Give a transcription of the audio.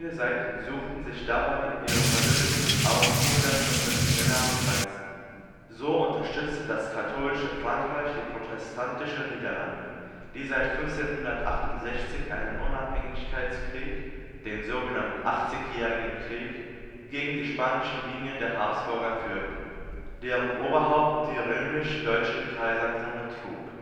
Seiten suchten sich dabei ihre Verbündeten auch jenseits konfessioneller Grenzen. So unterstützte das katholische Frankreich die protestantischen Niederlande, die seit 1568 einen Unabhängigkeitskrieg – den so genannten Achtzigjährigen Krieg - gegen die spanische Linie der Habsburger führten, deren Oberhaupt die römisch-deutsche Kaiserkrone trug